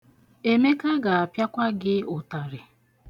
Emeka ga-apịakwa gị ụtarị.